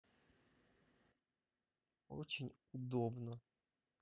очень удобно